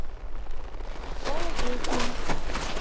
школа песня